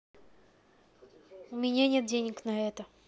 у меня нет денег на это